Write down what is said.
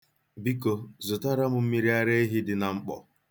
Biko, zụtara m mmiriareehi dị na mkpọ.